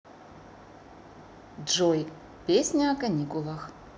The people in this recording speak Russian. джой песня о каникулах